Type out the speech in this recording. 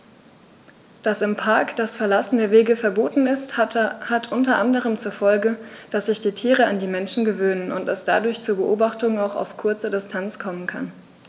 Dass im Park das Verlassen der Wege verboten ist, hat unter anderem zur Folge, dass sich die Tiere an die Menschen gewöhnen und es dadurch zu Beobachtungen auch auf kurze Distanz kommen kann.